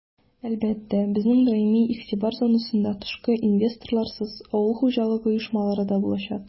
Әлбәттә, безнең даими игътибар зонасында тышкы инвесторларсыз авыл хуҗалыгы оешмалары да булачак.